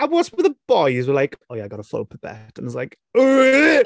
And what's with the boys, with like, "Oh yeah I got a full pipette." And I was like